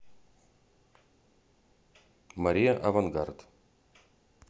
мария авангард